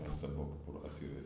fayal sa bopp pour assurer sa